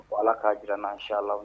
Ko ala k kaa jira n'an siya la